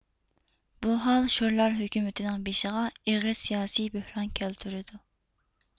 بۇ ھال شورلار ھۆكۈمىتىنىڭ بېشىغا ئېغىر سىياسىي بۆھران كەلتۈرىدۇ